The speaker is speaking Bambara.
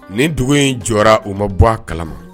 Nin dugu in jɔra u ma bɔ kalama